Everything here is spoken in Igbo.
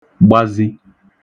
gbazi